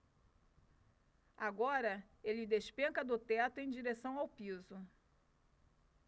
agora ele despenca do teto em direção ao piso